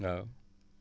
waaw